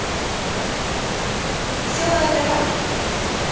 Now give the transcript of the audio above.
веселая гора